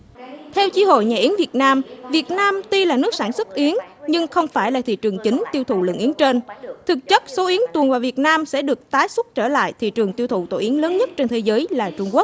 theo chi hội nhà yến việt nam việt nam tuy là nước sản xuất yến nhưng không phải là thị trường chính tiêu thụ lượng yếu trên thực chất số yến tuồn vào việt nam sẽ được tái xuất trở lại thị trường tiêu thụ tổ yến lớn nhất trên thế giới là trung quốc